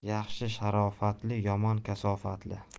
yaxshi sharofatli yomon kasofatli